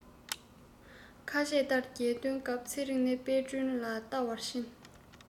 ཁ ཆད ལྟར རྒྱལ སྟོན སྐབས ཚེ རིང ནི དཔལ སྒྲོན ལ བལྟ བར ཕྱིན